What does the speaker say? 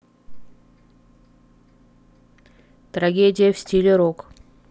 трагедия в стиле рок